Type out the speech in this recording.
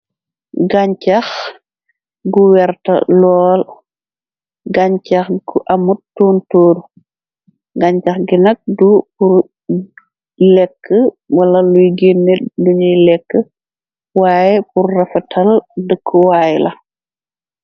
gañcax gu werta lool gañcax gu amut tontorr gancax gi nag du bur lekka wala luy gèneh luñuy lekka waaye purr rafetal dëkku waay la.